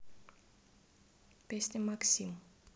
песня максим